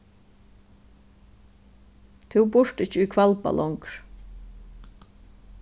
tú býrt ikki í hvalba longur